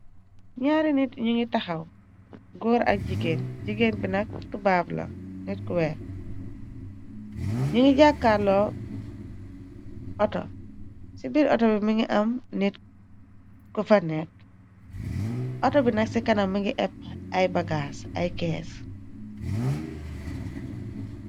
Naari nit ñu ngi taxaw góor ak jigéen, jigéen bi nak tubaab la nit kuweex, ñi ngi jàkkaar loo auto , ci biir auto bi mi ngi am nit ku fa nekk auto bi nak ci kanam mingi épp ay bagaas ay kees.